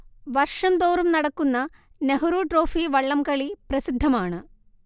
വർഷം തോറും നടക്കുന്ന നെഹ്രു ട്രോഫി വള്ളംകളി പ്രസിദ്ധമാണ്